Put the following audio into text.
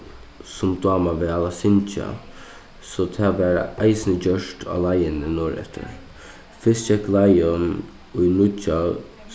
sum dáma væl at syngja so tað varð eisini gjørt á leiðini norðureftir fyrst gekk leiðin í nýggja